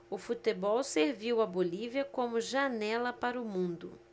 o futebol serviu à bolívia como janela para o mundo